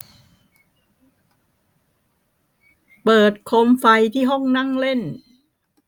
เปิดโคมไฟที่ห้องนั่งเล่น